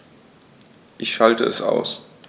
Ich schalte es aus.